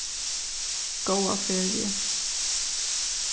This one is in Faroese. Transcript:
góða feriu